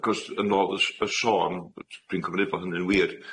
'C'os yn ôl y s- y sôn, d- s- dwi'n cymryd bo' hynny'n wir,